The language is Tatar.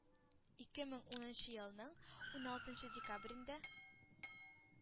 Ике мең унынчы елның уналтынчы декабрендә